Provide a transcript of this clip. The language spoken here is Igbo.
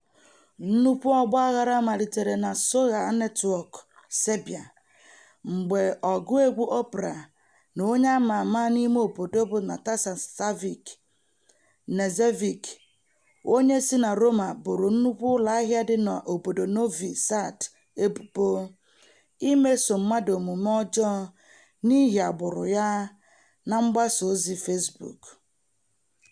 Nnukwu ọgbaghara malitere na soshaa netwọkụ Serbia mgbe ọgụ egwu opera na onye a ma ama n'ime obodo bụ Nataša Tasić Knežević, onye si na Roma boro nnukwu ụlọ ahịa dị n'obodo Novi Sad ebubo imeso mmadụ omume ọjọọ n'ihi agbụrụ ya na mgbasa ozi Facebook.